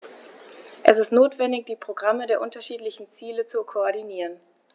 Es ist notwendig, die Programme der unterschiedlichen Ziele zu koordinieren.